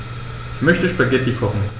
Ich möchte Spaghetti kochen.